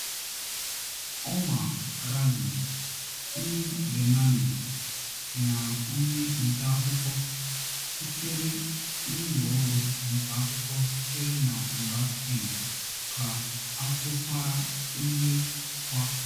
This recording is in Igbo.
Omar Radi, Hind Bannani, na onye nta akụkọ sitere n'ụlọ ọrụ nta akụkọ sitere na mba Spain ka akụkwara ihe kwa.